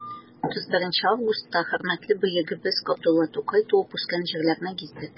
31 августта хөрмәтле бөегебез габдулла тукай туып үскән җирләрне гиздек.